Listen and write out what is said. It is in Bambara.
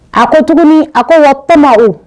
A ko tuguni a ko wa to maru